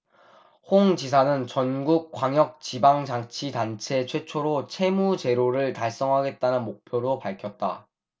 홍 지사는 전국 광역지방자치단체 최초로 채무 제로를 달성하겠다는 목표도 밝혔다